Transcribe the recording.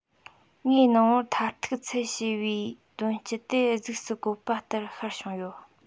ངའི སྣང བར མཐར ཐུག ཚད ཅེས པའི དོན སྤྱི དེ གཟུགས སུ བཀོད པ ལྟར ཤར བྱུང ཡོད